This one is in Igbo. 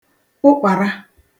kpụkpàra